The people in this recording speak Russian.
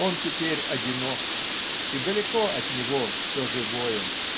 Он теперь одинок, и далеко от него все живое.